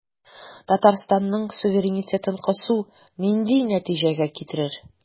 Татарстанның суверенитетын кысу нинди нәтиҗәгә китерер?